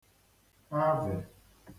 avè